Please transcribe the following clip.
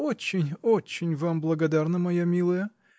-- Очень, очень вам благодарна, моя милая.